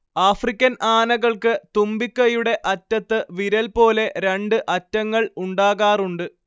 African ആനകൾക്ക് തുമ്പിക്കൈയുടെ അറ്റത്ത് വിരൽ പോലെ രണ്ട് അറ്റങ്ങൾ ഉണ്ടാകാറുണ്ട്